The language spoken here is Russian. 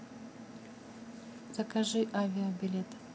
закажи авиабилет